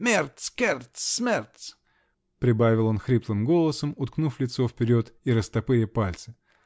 Мерц, керц, смерц, -- прибавил он хриплым голосом, уткнув лицо вперед и растопыря пальцы.